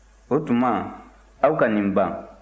o tuma aw ka nin ban